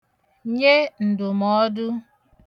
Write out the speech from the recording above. nye ǹdụ̀mọọdụ